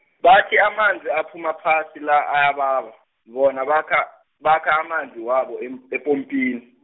bathi amanzi aphuma phasi la ayababa, bona bakha, bakha amanzi wabo, em- epompini.